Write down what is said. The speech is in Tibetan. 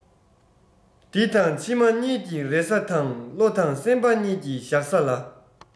འདི དང ཕྱི མ གཉིས ཀྱི རེ ས དང བློ དང སེམས པ གཉིས ཀྱི བཞག ས ལ